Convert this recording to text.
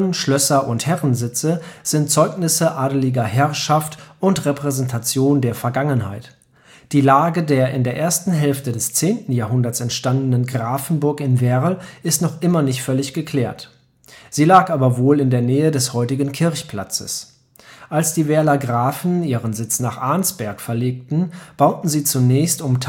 Schlösser und Herrensitze sind Zeugnisse adeliger Herrschaft und Repräsentation der Vergangenheit. Die Lage der in der ersten Hälfte des 10. Jahrhunderts entstandenen Grafenburg in Werl ist noch immer nicht völlig geklärt. Sie lag aber wohl in der Nähe des heutigen Kirchplatzes. Als die Werler Grafen ihren Sitz nach Arnsberg verlegten, bauten sie zunächst um